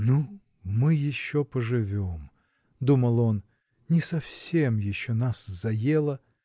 "Ну, мы еще поживем, -- думал он, -- не совсем еще нас заела.